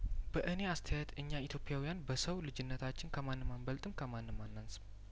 በእኔ አስተያየት እኛ ኢትዮፕያውያን በሰው ልጅነታችን ከማንም አን በልጥም ከማንም አናን ስም